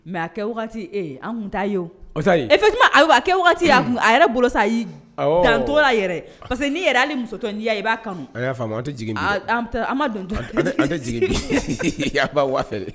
Mɛ a kɛ an taa ye e kɛ waati a kun a yɛrɛ bolo ye dan tora yɛrɛ parce que ni yɛrɛale musoya i b'a an ma don tɛ waatifɛ dɛ